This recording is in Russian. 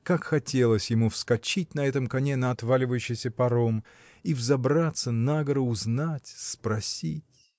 Как хотелось ему вскочить на этом коне на отваливающий паром и взобраться на гору, узнать, спросить.